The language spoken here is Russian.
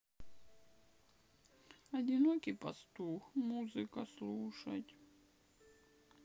одинокий пастух музыка слушать